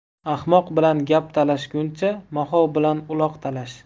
ahmoq bilan gap talashguncha moxov bilan uloq talash